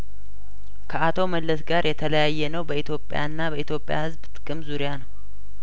ከአቶ መለስ ጋር የተለያየነው በኢትዮጵያ ና በኢትዮጵያ ህዝብ ጥቅም ዙሪያነው